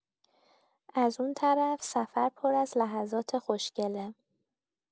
از اون طرف، سفر پر از لحظات خوشگله.